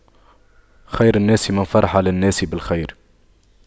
خير الناس من فرح للناس بالخير